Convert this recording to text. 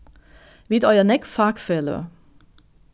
vit eiga nógv fakfeløg